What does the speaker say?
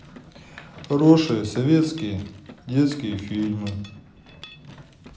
хорошие советские детские фильмы